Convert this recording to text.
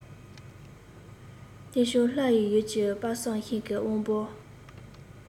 སྟེང ཕྱོགས ལྷ ཡི ཡུལ གྱི དཔག བསམ ཤིང གི དབང པོ